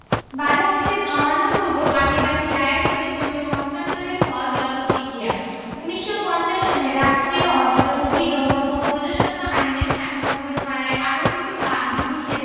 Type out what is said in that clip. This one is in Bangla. বাধানিষেধ অমান্য পূর্বক আদিবাসী রায়তদের জমি হস্তান্তরের ফল বা প্রতিক্রিয়া ১৯৫০ সনের রাষ্ট্রীয় অর্জন অধিগ্রহণ ও প্রজাস্বত্ব আইনের ৯৭ ধারায় আরোপিত বাধানিষেধ